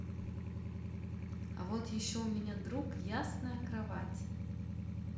а вот еще у меня друг ясная кровать